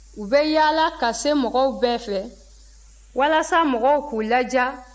u bɛ yaala ka se mɔgɔw bɛ fɛ walasa mɔgɔw k'u ladiya